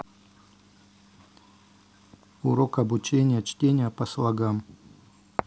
урок обучения чтения по слогам